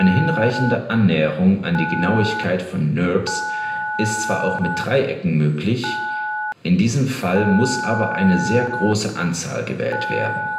hinreichende Annäherung an die Genauigkeit von NURBS ist zwar auch mit Dreiecken möglich, in diesem Fall muss aber eine sehr große Anzahl gewählt werden